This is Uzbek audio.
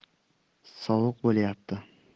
sovuq bo'layapti